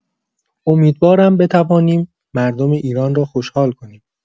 امیدوارم بتوانیم مردم ایران را خوشحال کنیم.